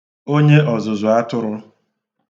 onye ọ̀zụ̀zụ̀ atụrụ̄